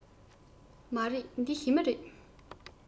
མ རེད འདི ཞི མི རེད